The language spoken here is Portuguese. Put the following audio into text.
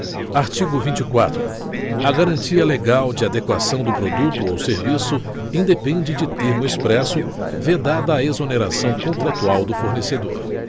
artigo vinte quatro a garantia legal de adequação do produto ou serviço independe de termo expresso vedada a exoneração contratual do fornecedor